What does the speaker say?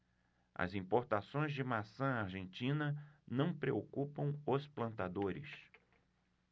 as importações de maçã argentina não preocupam os plantadores